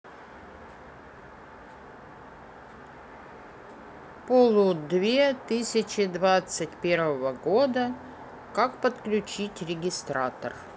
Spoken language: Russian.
полу две тысячи двадцать первого года как подключить регистратор